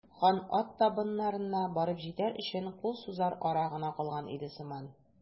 Хан ат табыннарына барып җитәр өчен кул сузыр ара гына калган иде сыман.